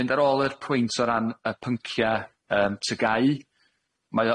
Mynd ar ôl yr pwynt o ran y pyncia yym tygau, mae